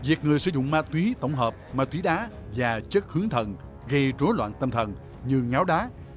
việc người sử dụng ma túy tổng hợp ma túy đá và chất hương thần gây rối loạn tâm thần như ngáo đá